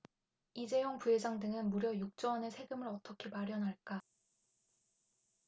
이재용 부회장 등은 무려 육 조 원의 세금을 어떻게 마련할까